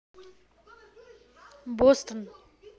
бостон